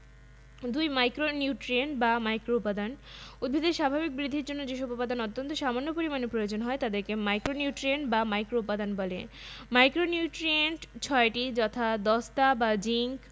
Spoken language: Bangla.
২ মাইক্রোনিউট্রিয়েন্ট বা মাইক্রোউপাদান উদ্ভিদের স্বাভাবিক বৃদ্ধির জন্য যেসব উপাদান অত্যন্ত সামান্য পরিমাণে প্রয়োজন হয় তাদেরকে মাইক্রোনিউট্রিয়েন্ট বা মাইক্রোউপাদান বলে মাইক্রোনিউট্রিয়েন্ট ৬টি যথা দস্তা বা জিংক